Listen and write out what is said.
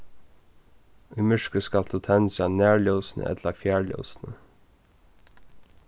í myrkri skalt tú tendra nærljósini ella fjarljósini